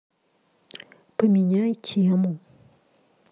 поменяй тему